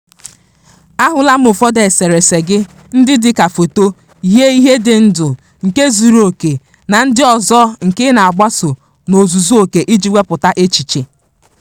LM: Ahụla m ụfọdụ eserese gị ndị dịka foto, yie ihe dị ndụ, nke zuru oke… na ndị ọzọ nke ị na-agbaso n'ozuzuoke iji wepụta echiche.